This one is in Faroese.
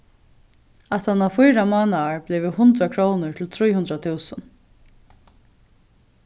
aftaná fýra mánaðar blivu hundrað krónur til trý hundrað túsund